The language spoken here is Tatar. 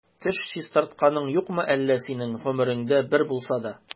Теш чистартканың юкмы әллә синең гомереңдә бер булса да?